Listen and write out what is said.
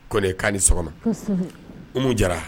Ko ne kan ni sɔgɔma umu jara